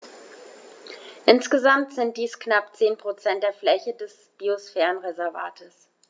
Insgesamt sind dies knapp 10 % der Fläche des Biosphärenreservates.